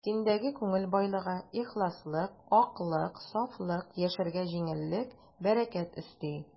Синдәге күңел байлыгы, ихласлык, аклык, сафлык яшәргә җиңеллек, бәрәкәт өсти.